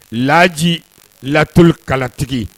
Laaji latulikalatigi